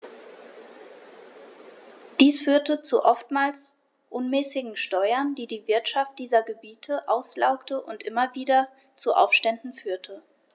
Dies führte zu oftmals unmäßigen Steuern, die die Wirtschaft dieser Gebiete auslaugte und immer wieder zu Aufständen führte.